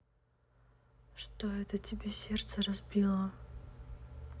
что это тебе сердце разбила